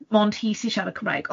'Mond hi sy'n siarad Cymraeg.